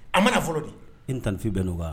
An ma fɔlɔ di i tanfin bɛn'o kan wa